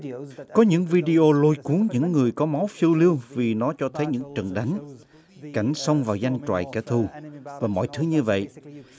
có những vi đê ô lôi cuốn những người có máu phiêu lưu vì nó cho thấy những trận đánh cảnh xông vào doanh trại kẻ thù và mọi thứ như vậy